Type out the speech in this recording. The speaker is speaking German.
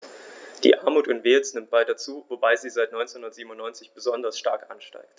Die Armut in Wales nimmt weiter zu, wobei sie seit 1997 besonders stark ansteigt.